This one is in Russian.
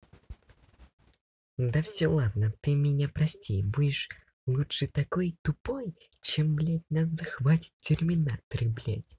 да все ладно ты меня прости будь лучше такой тупой чем блядь нас захватят терминаторы блядь